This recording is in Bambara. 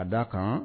A d' a kan